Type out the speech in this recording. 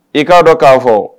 I k'a dɔn k'a fɔ